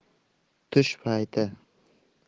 tush payti